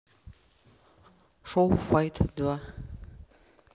шадоу файт два